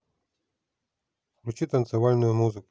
включи танцевальную музыку